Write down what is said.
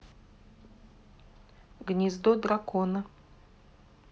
гнездо дракона